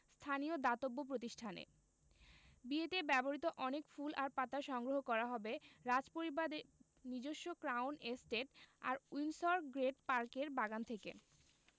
স্থানীয় দাতব্য প্রতিষ্ঠানে বিয়েতে ব্যবহৃত অনেক ফুল আর পাতা সংগ্রহ করা হবে রাজপরিবারের নিজস্ব ক্রাউন এস্টেট আর উইন্ডসর গ্রেট পার্কের বাগান থেকে